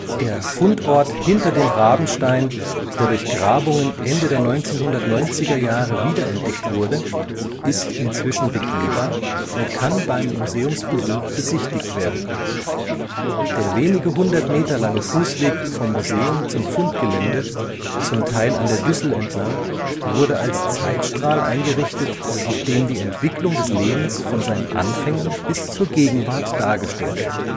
Der Fundort hinter dem Rabenstein, der durch Grabungen Ende der 1990er Jahre wiederentdeckt wurde, ist inzwischen begehbar und kann beim Museumsbesuch besichtigt werden. Der wenige hundert Meter lange Fußweg vom Museum zum Fundgelände, zum Teil an der Düssel entlang, wurde als Zeitstrahl eingerichtet, auf dem die Entwicklung des Lebens von seinen Anfängen bis zur Gegenwart dargestellt wird